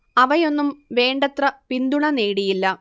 അവയൊന്നും വേണ്ടത്ര പിന്തുണ നേടിയില്ല